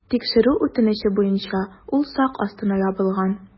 Тикшерү үтенече буенча ул сак астына ябылган.